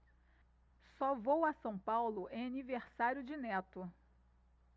só vou a são paulo em aniversário de neto